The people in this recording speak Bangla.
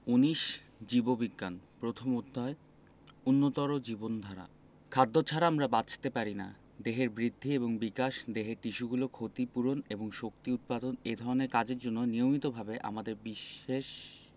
১৯ জীববিজ্ঞান প্রথম অধ্যায় উন্নতর জীবনধারা খাদ্য ছাড়া আমরা বাঁচতে পারি না দেহের বৃদ্ধি এবং বিকাশ দেহের টিস্যুগুলোর ক্ষতি পূরণ কিংবা শক্তি উৎপাদন এ ধরনের কাজের জন্য নিয়মিতভাবে আমাদের বিশেষ